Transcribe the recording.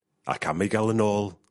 ...ac am ei ga'l yn ôl...